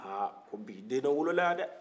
aa ko bi den dɔ wolo la yan dɛ